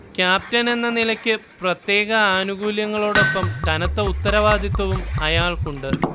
ക്യാപ്റ്റനെന്ന നിലയ്ക്ക് പ്രത്യേക ആനുകൂല്യങ്ങളോടൊപ്പം കനത്ത ഉത്തരവാദിത്തവും അയാൾക്കുണ്ട്